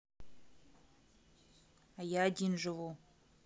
а я один живу